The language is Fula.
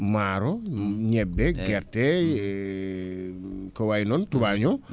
maaro ñebbe guerte ko way noon tubaño o